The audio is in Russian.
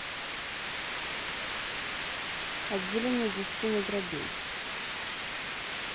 отделение десятины дробей